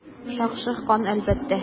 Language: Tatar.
Шакшы кан, әлбәттә.